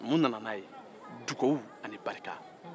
mun nana n'a ye dugawu ani barika